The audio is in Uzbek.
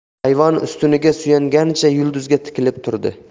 ayvon ustuniga suyanganicha yulduzga tikilib turdi